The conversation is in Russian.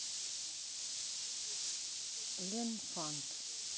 лен фант